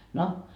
no